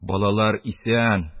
Балалар исән,